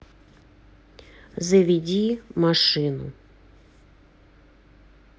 заведи машину